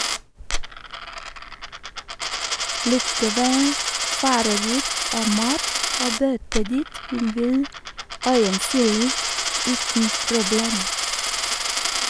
Likevel farer rot og mat og bøtter dit hun vil, øyensynlig uten problem.